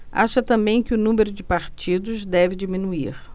acha também que o número de partidos deve diminuir